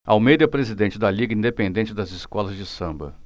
almeida é presidente da liga independente das escolas de samba